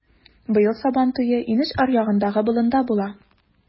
Быел Сабантуе инеш аръягындагы болында була.